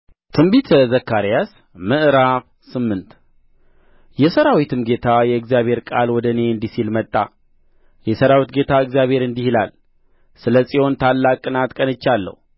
ትንቢተ ዘካርያስ ምዕራፍ ስምንት የሠራዊትም ጌታ የእግዚአብሔር ቃል ወደ እኔ እንዲህ ሲል መጣ የሠራዊት ጌታ እግዚአብሔር እንዲህ ይላል ስለ ጽዮን ታላቅ ቅንዓት ቀንቻለሁ